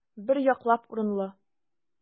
Бер яклап урынлы.